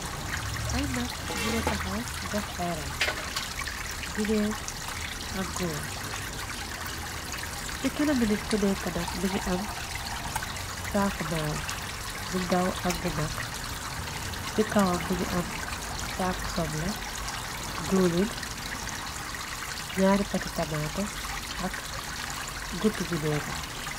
Ay mag jigé taxaw def ay ran jigeen ak góor. Ci kana mi nit ku nekknak bi ngi am saaku maalu bu daw ak bu mag. Ci kawam b ngi am saaku soble duuleen ñaari poti tamaate ak gut bi neegar.